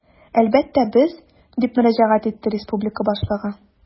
Әлбәттә, без, - дип мөрәҗәгать итте республика башлыгы.